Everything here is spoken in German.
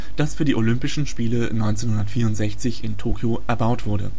für die Olympischen Spiele 1964 in Tokio erbaut wurde